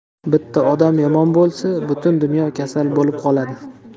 bitta odam yomon bo'lsa butun dunyo kasal bo'lib qoladi